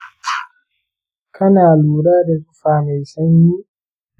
kana lura da zufa mai sanyi?